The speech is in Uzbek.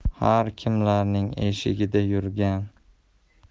har kimlarning eshigida yurgan